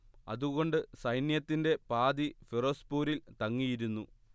അതുകൊണ്ട് സൈന്യത്തിന്റെ പാതി ഫിറോസ്പൂരിൽ തങ്ങിയിരുന്നു